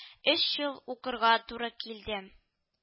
Өч ел укырга туры килде